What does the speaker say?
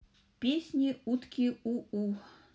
песня утки уу